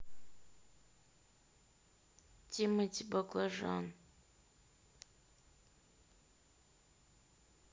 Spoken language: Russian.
тимати баклажан